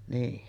niin